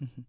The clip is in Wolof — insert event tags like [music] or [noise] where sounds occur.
[hesitation] [hesitation]